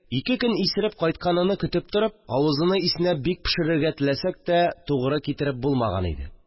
Ике көн исереп кайтканыны көтеп торып, авызыны иснәп бик пешерергә теләсәк тә, тугры китереп булмаган иде